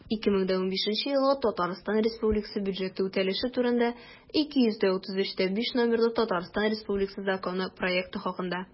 «2015 елгы татарстан республикасы бюджеты үтәлеше турында» 233-5 номерлы татарстан республикасы законы проекты хакында